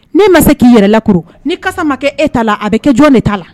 N'e ma se k'i yɛrɛ lakuru, ni kasa ma kɛ e ta la, a bɛ kɛ jɔn de ta la!